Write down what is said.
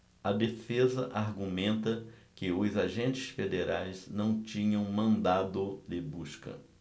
a defesa argumenta que os agentes federais não tinham mandado de busca